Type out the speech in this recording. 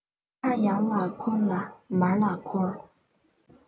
ཁ ཡར ལ འཁོར ལ མར ལ འཁོར